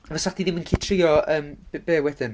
Fysa chdi ddim yn gallu trio ymm b- be wedyn?